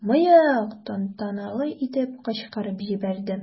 "мыек" тантаналы итеп кычкырып җибәрде.